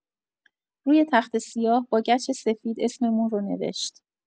روی تخته‌سیاه با گچ سفید اسممون رو نوشت.